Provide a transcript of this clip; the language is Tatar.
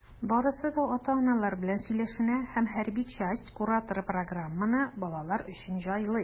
Барысы да ата-аналар белән сөйләшенә, һәм хәрби часть кураторы программаны балалар өчен җайлый.